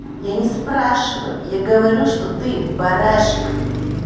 я не спрашиваю я говорю что ты барашек